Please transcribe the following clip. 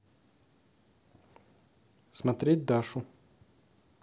смотреть дашу